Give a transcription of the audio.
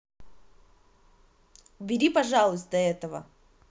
убери пожалуйста этого